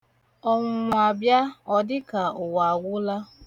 Ọnwụnwa bịa ọ dịka ụwa agwụla.